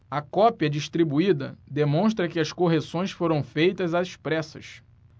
a cópia distribuída demonstra que as correções foram feitas às pressas